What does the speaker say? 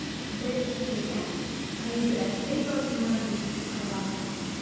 Бер хикәя "Гыйбрәтле язмыш" дип атала да.